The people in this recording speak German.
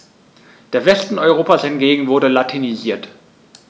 Der Westen Europas hingegen wurde latinisiert.